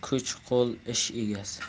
kuch qo'l ish egasi